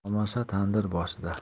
tomosha tandir boshida